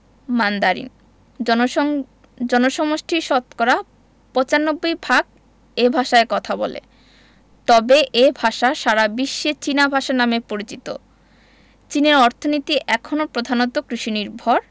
Mandarin জনসং জনসমষ্টির শতকরা ৯৫ ভাগ এ ভাষায় কথা বলে তবে এ ভাষা সারা বিশ্বে চীনা ভাষা নামে পরিচিত চীনের অর্থনীতি এখনো প্রধানত কৃষিনির্ভর